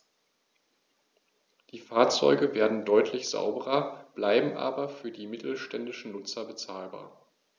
Die Fahrzeuge werden deutlich sauberer, bleiben aber für die mittelständischen Nutzer bezahlbar.